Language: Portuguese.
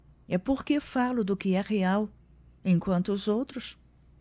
é porque falo do que é real enquanto os outros